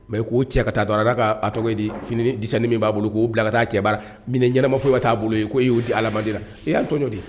Mɛ k'o cɛ ka taa dɔn ada ka a tɔgɔ ye di fini dini min b'a bolo k'o bila ka taa cɛ min ɲɛnama fɔ foyi i ka'a bolo ye' y'o di adamadi e y'an tɔjɔdi